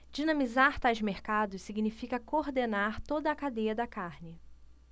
dinamizar tais mercados significa coordenar toda a cadeia da carne